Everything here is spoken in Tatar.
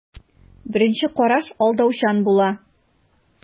Беренче караш алдаучан була.